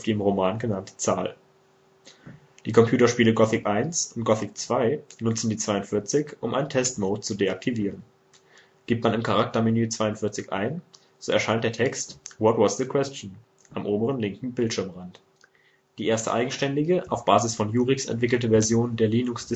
im Roman genannte Zahl. Die Computerspiele Gothic 1 und Gothic 2 nutzen die 42, um einen „ Test Mode “zu deaktivieren: Gibt man im Charaktermenü „ 42 “ein, so erscheint der Text „ What was the question? “am oberen linken Bildschirmrand. Die erste eigenständige, auf Basis von Jurix entwickelte Version der Linux-Distribution